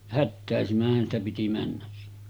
hätäisimmäthän sitä piti mennä sinne